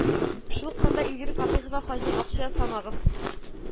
Шушы ук санда Эльвира Фатыйхова Хаҗдан акча ясамагыз